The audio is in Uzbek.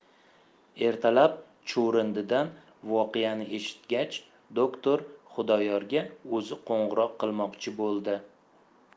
ertalab chuvrindidan voqeani eshitgach doktor xudoyorga o'zi qo'ng'iroq qilmoqchi bo'ldi